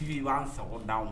K’i b'an sago d’ anw ma